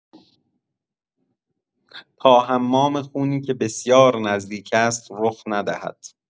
تا حمام خونی که بسیار نزدیک است، رخ ندهد.